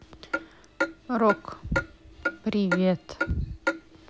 рок привет